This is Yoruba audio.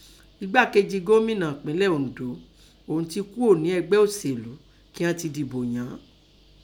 Ẹgbákejì gómìnà ̀pínlẹ̀ Oǹdó ọ̀̀ún tíì kúò nẹ ẹgbẹ́ ọ̀ṣèlú kí ọ́n tẹ dìbò yàn án.